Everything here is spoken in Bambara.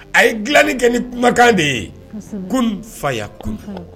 A ye dilanni kɛ ni kumakan de ye, kunefaya kune !